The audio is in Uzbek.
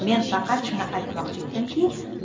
men faqat shuni aytmoqchi edimki